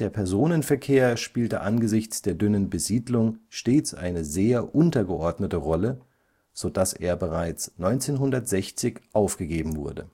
Personenverkehr spielte angesichts der dünnen Besiedlung stets eine sehr untergeordnete Rolle, so dass er bereits 1960 aufgegeben wurde